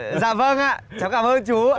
dạ vâng ạ cháu cảm ơn chú